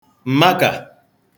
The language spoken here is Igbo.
m̀makà